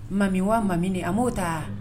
Mami waa Mami de. A m'o ta!